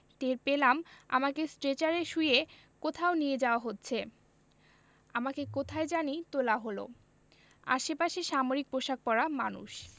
টের পেলাম আমাকে স্ট্রেচারে শুইয়ে কোথাও নিয়ে যাওয়া হচ্ছে আমাকে কোথায় জানি তোলা হলো আশেপাশে সামরিক পোশাক পরা মানুষ